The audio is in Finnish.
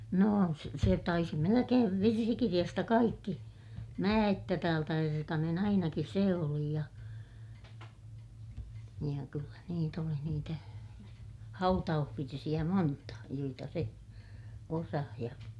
no se se taisi melkein virsikirjasta kaikki mä että täältä erkanen ainakin se oli ja ja kyllä niitä oli niitä hautausvirsiä monta joita se osasi ja